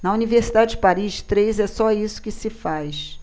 na universidade de paris três é só isso que se faz